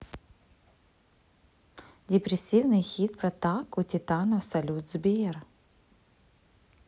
депресивный хит про так у титанов салют сбер